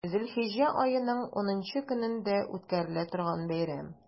Зөлхиҗҗә аеның унынчы көнендә үткәрелә торган бәйрәм.